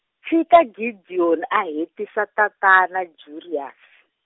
tshika Gideon a hetisa tatana Jairus.